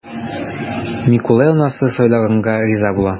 Микулай анасы сайлаганга риза була.